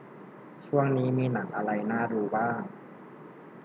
ช่วงนี้มีหนังอะไรน่าดูบ้าง